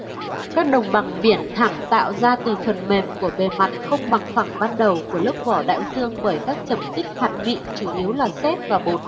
các đồng bằng biển thẳm tạo ra từ phần mềm của bề mặt không bằng phẳng ban đầu của lớp vỏ đại dương bởi các trầm tích hạt mịn chủ yếu là sét và bột